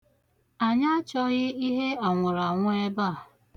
Anyị achọghị ihe anwụraanwụ ebe a.